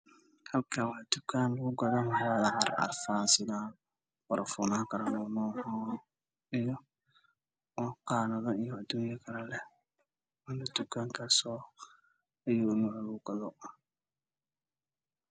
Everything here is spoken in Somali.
Meeshaan waa dukaan waxaa lagu iibinayaa catarro madow iyo ku jiraan korna waa cadaan